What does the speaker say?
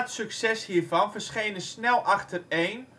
succes hiervan verschenen snel achtereen